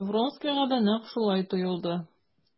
Вронскийга да нәкъ шулай тоелды.